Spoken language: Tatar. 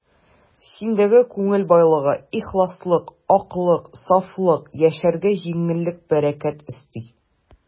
Синдәге күңел байлыгы, ихласлык, аклык, сафлык яшәргә җиңеллек, бәрәкәт өсти.